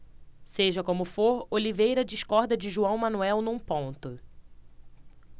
seja como for oliveira discorda de joão manuel num ponto